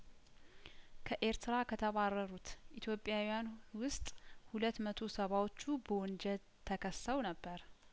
ከኤርትራ ከተባረሩት ኢትዮጵያውያን ውስጥ ሁለት መቶ ሰባዎቹ በወንጀል ተከሰው ነበር